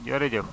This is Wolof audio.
jërëjëf